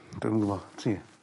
Dwi 'im yn gwbo. Ti?